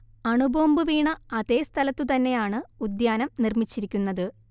അണുബോംബ് വീണ അതേ സ്ഥലത്തു തന്നെയാണ് ഉദ്യാനം നിർമ്മിച്ചിരിക്കുന്നത്